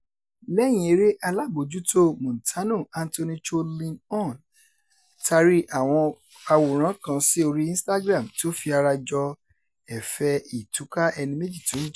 Lẹ́yìn eré, alábòójútó Montano, Anthony Chow Lin On, tari àwòrán kan sí orí Instagram tí ó fi ara jọ ẹ̀fẹ̀ ìtúká ẹni méjì tí ó ń jà: